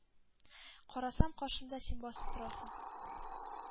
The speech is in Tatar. Карасам, каршымда син басып торасың.